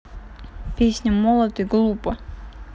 песня молотый глупо